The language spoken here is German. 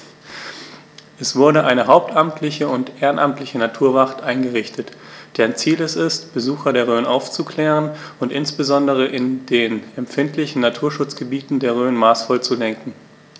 Es wurde eine hauptamtliche und ehrenamtliche Naturwacht eingerichtet, deren Ziel es ist, Besucher der Rhön aufzuklären und insbesondere in den empfindlichen Naturschutzgebieten der Rhön maßvoll zu lenken.